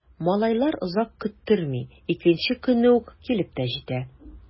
Малайлар озак көттерми— икенче көнне үк килеп тә җитә.